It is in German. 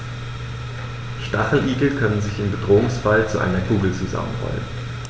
Stacheligel können sich im Bedrohungsfall zu einer Kugel zusammenrollen.